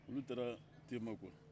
olu taara tema kuwa